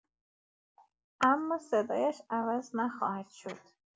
اما صدایش عوض نخواهد شد.